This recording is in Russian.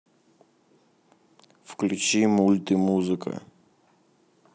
включи мульт и музыка